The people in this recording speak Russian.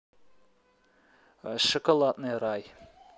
шоколадный рай